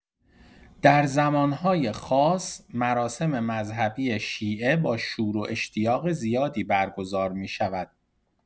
در زمان‌های خاص، مراسم مذهبی شیعه با شور و اشتیاق زیادی برگزار می‌شود.